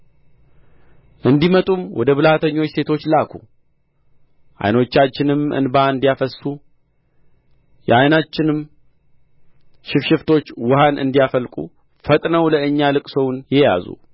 እንዲመጡም ወደ ብልሃተኞች ሴቶች ላኩ ዓይኖቻችንም እንባ እንዲያፈስሱ የዓይናችንም ሽፋሽፍቶች ውኃን እንዲያፈልቁ ፈጥነው ለእኛ ልቅሶውን ይያዙ